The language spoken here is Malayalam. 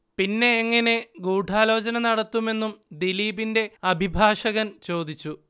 പിന്നെ എങ്ങനെ ഗൂഢാലോചന നടത്തുമെന്നും ദിലീപിന്റെ അഭിഭാഷകൻ ചോദിച്ചു